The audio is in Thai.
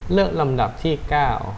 เลือกลำดับที่เก้า